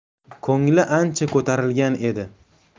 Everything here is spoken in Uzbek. ko'ngli ancha ko'tarilgan edi